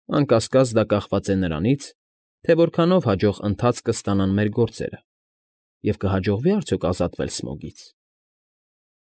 Անկասկած դա կախված է նրանից, թե որքանով հաջող ընթացք կստանան մեր գործերը և կհաջողվի՞ արդյոք ազատվել Սմոգից։